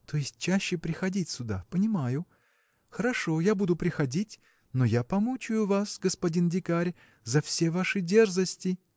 – то есть чаще приходить сюда – понимаю! Хорошо я буду приходить но я помучаю вас господин дикарь за все ваши дерзости.